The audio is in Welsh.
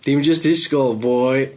Dim jyst i ysgol, boi.